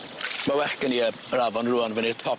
Ma' well gen i yy yr afon rŵan fyny i'r top.